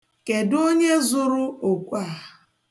Kedụ onye zụrụ okwe a?